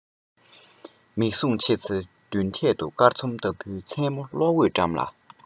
མིག ཟུང ཕྱེ ཚེ མདུན ཐད དུ སྐར ཚོམ ལྟ བུའི མཚན མོའི གློག འོད བཀྲ ལ